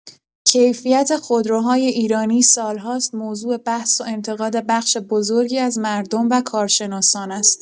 کیفیت خودروهای ایرانی سال‌هاست موضوع بحث و انتقاد بخش بزرگی از مردم و کارشناسان است.